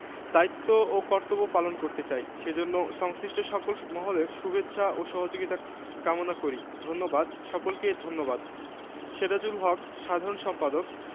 দায়িত্ব ও কর্তব্য পালন করতে চাই সেজন্য সংশ্লিষ্ট সকল মহলের শুভেচ্ছা ও সহযোগিতা কামনা করি ধন্যবাদ সকলকে ধন্যবাদ সেরাজুল হক সাধারণ সম্পাদক